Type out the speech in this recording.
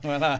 voilà